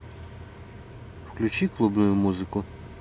включи клубную музыку